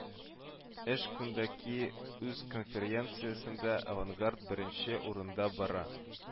Эш кунда ки, үз конференциясендә Авангард беренче урында бара